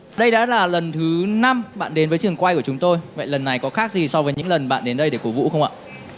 đây đã là lần thứ năm bạn đến với trường quay của chúng tôi vậy lần này có khác gì so với những lần bạn đến đây để cổ vũ không ạ